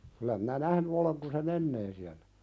kyllä minä nähnyt olen kun se menee siellä